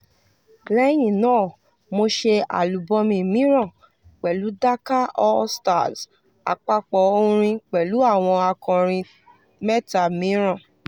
Lẹ́yìn náà, mo ṣe álúbọ́ọ̀mù mìíràn pẹ̀lú Dakar All Stars, àpapọ̀ orin pẹ̀lú àwọn akọrin 3 mìíràn.